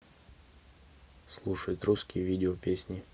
слушать русские видео песни